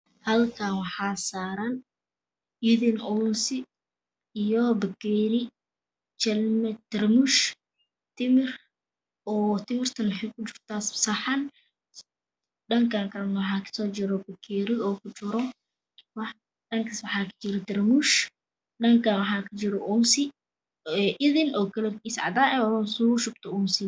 Halkan waxaa saran idin unsi iyo jelmed tarmuus iyo rimir timirta wexeey ku jirta saxan dhankaas waxaa ka jira bakeeri tarmuus dhankaan waxaa ka jira idin unsi